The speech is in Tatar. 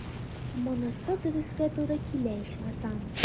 Монысы дөрескә туры килә, ичмасам.